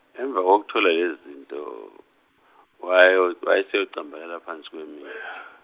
emva kokuthola lezi zinto, wayo- wayeseyocambalala phansi kwemithi.